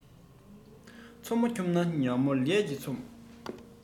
མཚོ མོ འཁྱོམས ན ཉ མོ ལས ཀྱིས འཁྱོམ